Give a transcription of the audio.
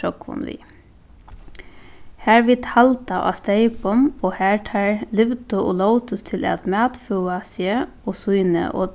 sjógvin við har vit halda á steypum og har teir livdu og lótust til at matføða seg og síni og